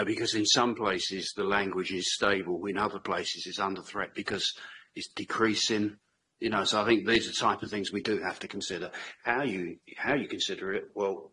Yeah because in some places the language is stable when other places it's under threat because it's decreasing you know so I think these are type of things we do have to consider. How you how you consider it wel-